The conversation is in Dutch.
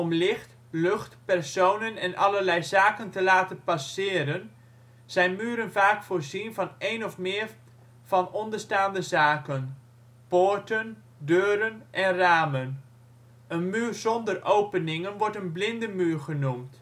licht, lucht, personen en allerlei zaken te laten passeren, zijn muren vaak voorzien van één of meer van onderstaande zaken: poorten deuren ramen Een muur zonder openingen wordt een blinde muur genoemd